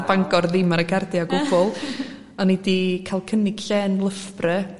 do'dd Bangor ddim ar y cardia o gwbl oni 'di ca'l cynnig lle yn Loughborough